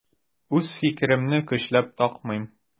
Үз фикеремне көчләп такмыйм.